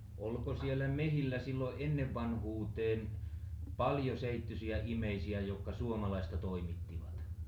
oliko siellä metsillä silloin ennen vanhuuteen paljon seittysiä ihmisiä jotka suomalaista toimittivat